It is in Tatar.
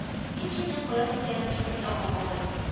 Мин җилнең каян искәнен бик тиз аңлап алдым